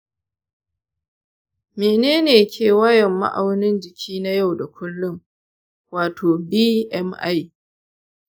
menene kewayon ma'aunin jiki na yau da kullun (bmi)?